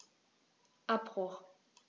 Abbruch.